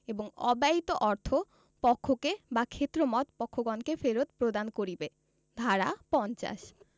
এবং অব্যয়িত অর্থ পক্ষকে বা ক্ষেত্রমত পক্ষগণকে ফেরত প্রদান করিবে ধারা ৫০